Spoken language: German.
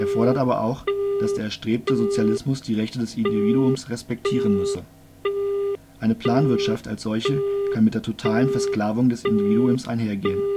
fordert aber auch, dass der erstrebte Sozialismus die Rechte des Individuums respektieren müsse: „ Eine Planwirtschaft als solche kann mit der totalen Versklavung des Individuums einhergehen